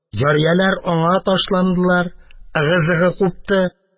Җарияләр аңа ташландылар, ыгы-зыгы купты.